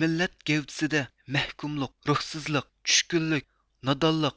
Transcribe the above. مىللەت گەۋدىسىدە مەھكۇملۇق روھسىزلىق چۈشكۈنلۈك نادانلىق